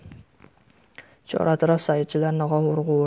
chor atrof sayilchilarning g'ovur g'uvuri